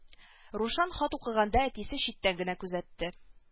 Рушан хат укыганда әтисе читтән генә күзәтте